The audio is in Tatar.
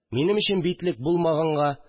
Минем өчен битлек булмаганга